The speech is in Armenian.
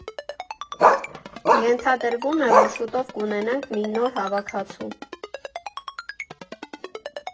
Ենթադրվում է, որ շուտով կունենանք մի նոր հավաքածու։